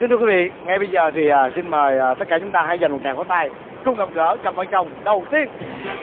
kính thưa quý vị ngay bây giờ thì ờ xin mời ờ tất cả chúng ta hãy dành một tràng pháo tay cùng gặp gỡ cặp vợ chồng đầu tiên